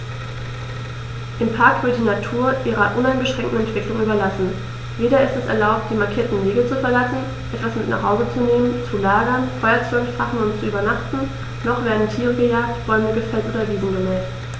Im Park wird die Natur ihrer uneingeschränkten Entwicklung überlassen; weder ist es erlaubt, die markierten Wege zu verlassen, etwas mit nach Hause zu nehmen, zu lagern, Feuer zu entfachen und zu übernachten, noch werden Tiere gejagt, Bäume gefällt oder Wiesen gemäht.